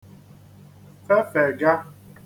fefèga